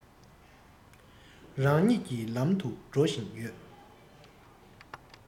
རང ཉིད ཀྱི ལམ དུ འགྲོ བཞིན ཡོད